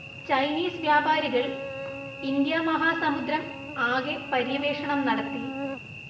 Chinese വ്യാപാരികൾ ഇന്ത്യാമഹാസമുദ്രം ആകെ പര്യവേഷണം നടത്തി